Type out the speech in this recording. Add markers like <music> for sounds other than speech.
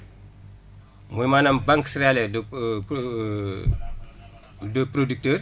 muy maanaam banque céréalière de <hesitation> de producteurs